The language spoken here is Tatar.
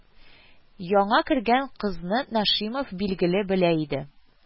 Яңа кергән кызны Нашимов, билгеле, белә иде